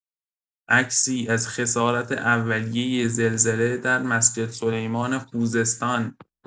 عکسی از خسارات اولیه زلزله در مسجدسلیمان خوزستان